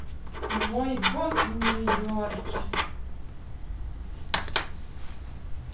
мой год в нью йорке